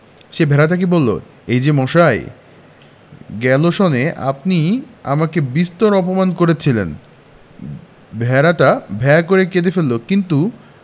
সে ভেড়াটাকে বলল এই যে মশাই গেল সনে আপনি আমাকে বিস্তর অপমান করেছিলেন ভেড়াটা ভ্যাঁ করে কেঁদে ফেলল কিন্তু